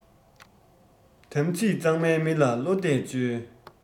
དམ ཚིག གཙང མའི མི ལ བློ གཏད བཅོལ